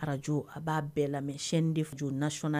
Araj a b'a bɛɛ la de jo nas